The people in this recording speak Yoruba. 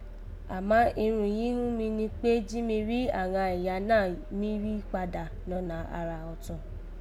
Àmá, irun yìí ghùn mí ni kpé jí mi rí àghan ẹyẹ náà mí yí kpadà nọ̀nà àrà ọ̀tọ̀